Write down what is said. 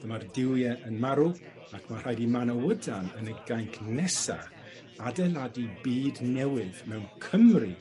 Dyma'r duwie yn marw, ac ma' rhaid i Manawydan yn y gainc nesaf adeladu byd newydd mewn Cymru